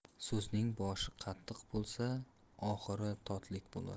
so'zning boshi qattiq bo'lsa oxiri totlik bo'lar